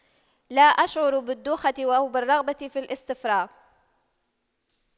لا أشعر بالدوخة بالرغبة في الاستفراغ